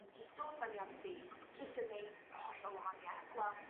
yn jyst dod fyny ar y feed jyst yn neud hollol wahanieth gwel'